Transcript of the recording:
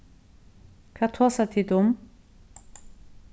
hvat tosa tit um